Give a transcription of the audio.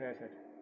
pesete